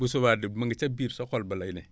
bu subaa de mu nga ca biir sa xol ba lay ne